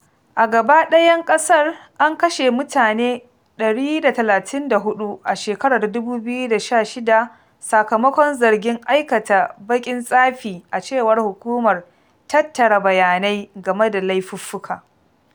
A gaba ɗayan ƙasar, an kashe mutane 134 a shekarar 2016 sakamakon zargin aikata "baƙin tsafi", a cewar Hukumar Tattara Bayanai game da Laifuffuka,